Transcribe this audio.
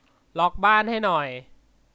ล็อคบ้านให้หน่อย